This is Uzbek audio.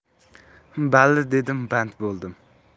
balli dedim band bo'ldim